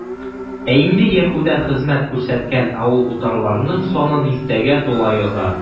Ә инде Яһүдә хезмәт күрсәткән авыл-утарларның саны дистәгә тула яза.